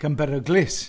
Ac yn beryglus.